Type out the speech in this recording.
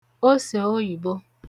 osèoyìbo